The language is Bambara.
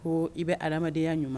Ko i bɛ adamadenyaya ɲuman